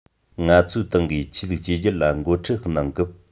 ང ཚོའི ཏང གིས ཆོས ལུགས བཅོས སྒྱུར ལ འགོ ཁྲིད གནང སྐབས